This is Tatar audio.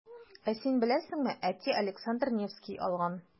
Ә син беләсеңме, әти Александр Невский алган.